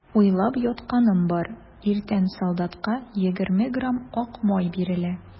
Уйлап ятканым бар: иртән солдатка егерме грамм ак май бирелә.